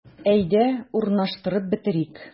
Әйдә, урнаштырып бетерик.